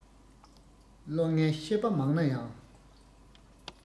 བློ ངན ཤེས པ མང ན ཡང